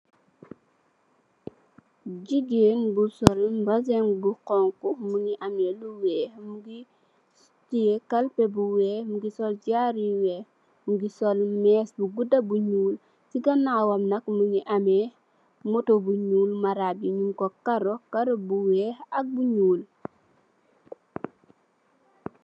Gigen bu sol mbsen bu xonxu mu gi ame lu wex teye kalpe buwex mugi sol jarou yu wex mugi sol mese bu gudu bu njul ci ganawam nak mugi am moto bu njul mugi am marage njong ko karo karo yu wex ak bu njul